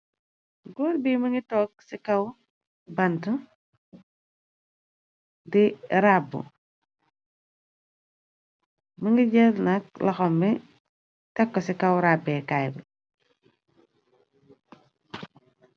Gòor bi mungi toog ci kaw bant, di rabu. Mungi jël nak lohom bi tekk ko ci kaw rabèkaay bi.